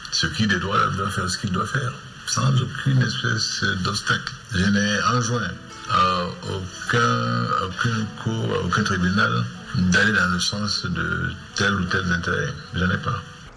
Ce qui de droit doit faire ce qu'il doit sans aucune espèce d'obstacle je n'ai en joint à aucun cour, aucun tribunal d'aller dans le sens de tels ou tels intérêt j'en ai pas